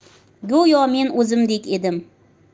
go'yo men o'zimdek edim